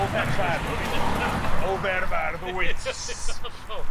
Ofer fardd. Achos bo' fi'n uffern. Oferfardd wyt. Hollol.